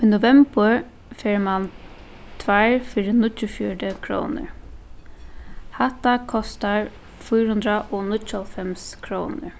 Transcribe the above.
í novembur fær mann tveir fyri níggjuogfjøruti krónur hatta kostar fýra hundrað og níggjuoghálvfems krónur